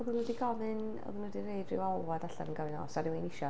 Oedden nhw 'di gofyn, oedden nhw 'di rhoi ryw alwad allan yn gofyn oes 'na rywun isio.